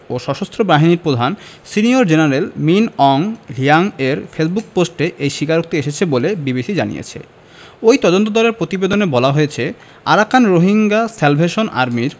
ও সশস্ত্র বাহিনীর প্রধান সিনিয়র জেনারেল মিন অং হ্লিয়াংয়ের ফেসবুক পোস্টে এই স্বীকারোক্তি এসেছে বলে বিবিসি জানিয়েছে ওই তদন্তদলের প্রতিবেদনে বলা হয়েছে আরাকান রোহিঙ্গা স্যালভেশন আর্মির